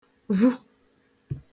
vu